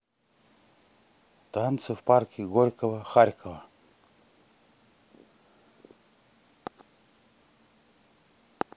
танцы в парке горького харькова